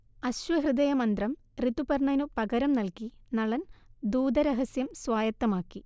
അശ്വഹൃദയമന്ത്രം ഋതുപർണനു പകരം നൽകി നളൻ ദൂതരഹസ്യം സ്വായത്തമാക്കി